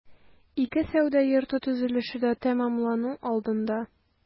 Ике сәүдә йорты төзелеше дә тәмамлану алдында.